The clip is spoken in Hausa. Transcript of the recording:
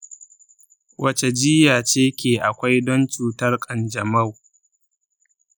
wace jiyya ce ke akwai don cutar kanjamau?